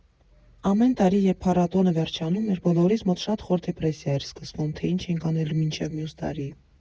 Ամեն տարի, երբ փառատոնը վերջանում էր, բոլորիս մոտ շատ խոր դեպրեսիա էր սկսվում, թե ինչ ենք անելու մինչև մյուս տարի։